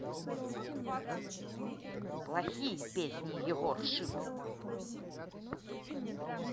плохие песни егор шип